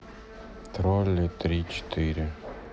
тролли три четыре